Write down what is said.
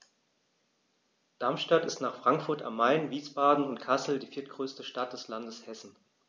Darmstadt ist nach Frankfurt am Main, Wiesbaden und Kassel die viertgrößte Stadt des Landes Hessen